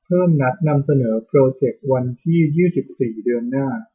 เพิ่มนัดนำเสนอโปรเจควันที่ยี่สิบสี่เดือนหน้า